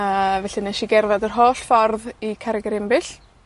A, felly nesh i gerddad yr holl ffordd i Cerrig Yr Imbyll.